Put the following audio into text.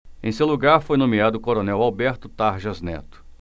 em seu lugar foi nomeado o coronel alberto tarjas neto